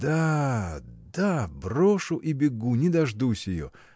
— Да, да — брошу и бегу, не дождусь ее!